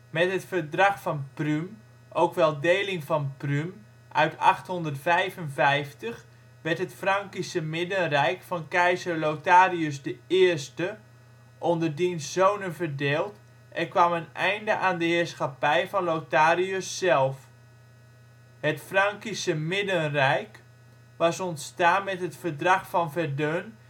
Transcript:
Met het verdrag van Prüm, ook wel Deling van Prüm uit 855 werd het Frankische middenrijk van keizer Lotharius I (Lotharii Regnum) onder diens zonen verdeeld en kwam een einde aan de heerschappij van Lotharius zelf. Het Frankische middenrijk was ontstaan met het verdrag van Verdun